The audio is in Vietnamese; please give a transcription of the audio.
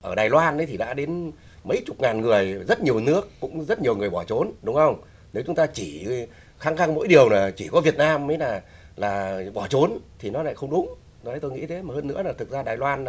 ở đài loan ý thì đã đến mấy chục ngàn người rất nhiều nước cũng rất nhiều người bỏ trốn đúng không nếu chúng ta chỉ khăng khăng mỗi điều là chỉ có việt nam mới là là bỏ trốn thì nó lại không đúng đấy tôi nghĩ thế mà hơn nữa là thực ra đài loan